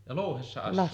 ja louhessa asuu